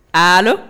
allo